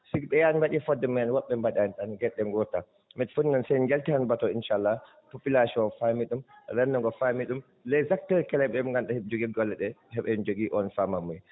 si ko ɓeya mbaɗii fodde mumen woɓɓe mbaɗaani tan geɗe ɗe ngoodata ne foti noon so en njaltii hannde batu oo inchallah population o faami ɗum renndo ngoo faami ɗum les acteurs clés ɓe ɓe ngannduɗaa ɓe jogi golle ɗe heɓen jogii oon faamaamuya